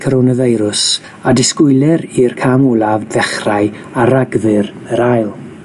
Coronafeirws, a disgwylir i'r cam olaf ddechrau ar Ragfyr yr ail.